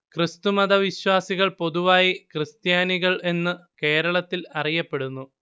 ക്രിസ്തുമത വിശ്വാസികൾ പൊതുവായി ക്രിസ്ത്യാനികൾ എന്ന് കേരളത്തിൽ അറിയപ്പെടുന്നു